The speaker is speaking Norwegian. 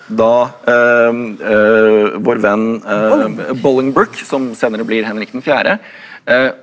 da vår venn Bullingbrook som senere blir Henrik den fjerde .